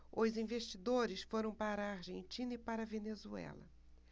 os investidores foram para a argentina e para a venezuela